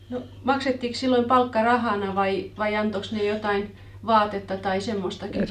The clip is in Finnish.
no maksettiinkos silloin palkka rahana vai vai antoikos ne jotakin vaatetta tai semmoistakin